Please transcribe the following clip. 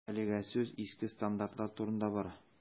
Әлегә сүз иске стандартлар турында бара.